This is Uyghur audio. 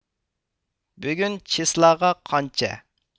بۈگۈن چىسلاغا قانچە